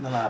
nana ara